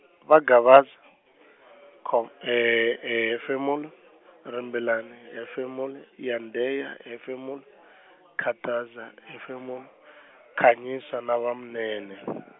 va Gavaza , khom- hefemulo Rimbilana hefemulo Yandheya hefemulo, Khataza hefemulo Khanyisa na va Munene.